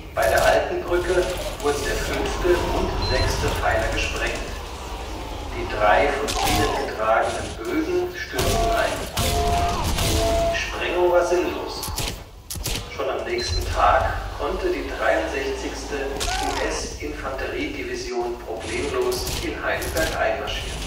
Bei der Alten Brücke wurden der fünfte und sechste Pfeiler gesprengt, die drei von ihnen getragenen Bögen stürzten ein. Die Sprengung war sinnlos: Schon am nächsten Tag konnte die 63. US-Infanteriedivision problemlos in Heidelberg einmarschieren